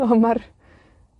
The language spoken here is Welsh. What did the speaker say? oh, ma'r,